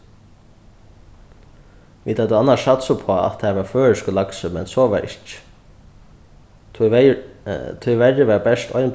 vit høvdu annars satsað upp á at har var føroyskur laksur men so var ikki tíverri var bert ein